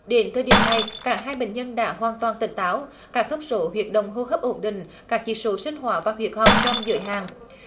đến thời điểm này cả hai bệnh nhân đã hoàn toàn tỉnh táo các thông số huyệt động hô hấp ổn định các chỉ số sinh hóa và huyết học trong giới hạn